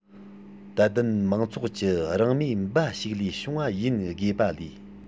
དད ལྡན མང ཚོགས ཀྱི རང མོས འབའ ཞིག ལས བྱུང བ ཡིན དགོས པ ལས